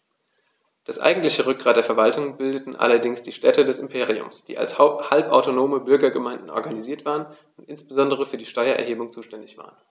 Das eigentliche Rückgrat der Verwaltung bildeten allerdings die Städte des Imperiums, die als halbautonome Bürgergemeinden organisiert waren und insbesondere für die Steuererhebung zuständig waren.